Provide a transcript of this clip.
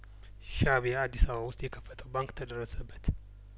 ሻእቢያ አዲስ አበባ ውስጥ የከፈተው ባንክ ተደረሰበት